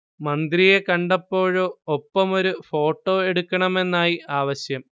മന്ത്രിയെ കണ്ടപ്പോഴോ ഒപ്പമൊരു ഫോട്ടോ എടുക്കണമെന്നായി ആവശ്യം